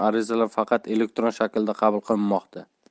arizalar faqat elektron shaklda qabul qilinmoqda